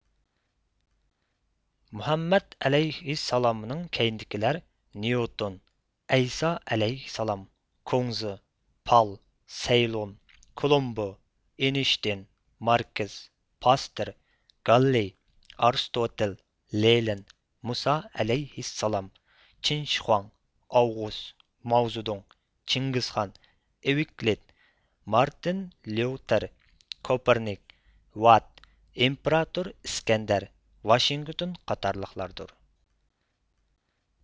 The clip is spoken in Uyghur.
مۇھەممەد ئەلەيھىسسالامنىڭ كەينىدىكىلەر نيۇتون ئەيسائەلەيھىسسالام كۇڭزى پال سەيلۇن كولومبۇ ئېينىشتېين ماركىس پاستېر گاللىي ئارستوتىل لېنىن مۇسا ئەلەيھىسسالام چىن شىخۇاڭ ئاۋغۇست ماۋ زېدۇڭ چىڭگىزخان ئېۋكلىد مارتېن ليوتېر كوپېرنىك ۋات ئىمپېراتور ئىسكەندەر ۋاشىنگتون قاتارلىقلاردۇر